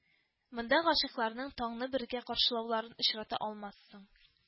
Монда гашыйкларның таңны бергә каршылауларын очрата алмассың